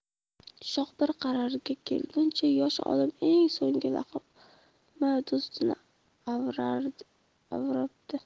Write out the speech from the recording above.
shoh bir qarorga kelguncha yosh olim eng so'nggi laqma do'stini avrabdi